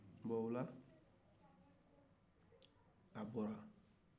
bon ola a bɔra